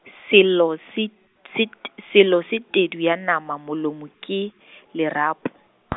selo se , se t-, selo se tedu ya nama molomo ke, lerapo .